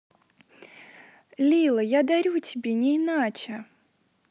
лило я дарю тебе не иначе